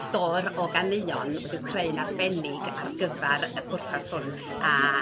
stôr o ganeuon wedi'i creu'n arbennig ar gyfer y pwrpas hwn a